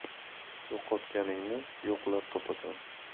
yo'qotganingni yo'qlab topasan